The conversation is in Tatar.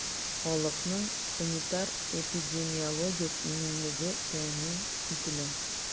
Халыкның санитар-эпидемиологик иминлеге тәэмин ителә.